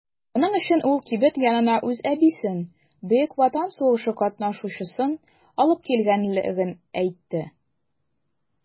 Моның өчен ул кибет янына үз әбисен - Бөек Ватан сугышы катнашучысын алып килгәнлеген әйтте.